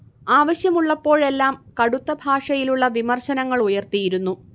ആവശ്യമുള്ളപ്പോഴെല്ലാം കടുത്ത ഭാഷയിലുള്ള വിമർശനങ്ങളുയർത്തിയിരുന്നു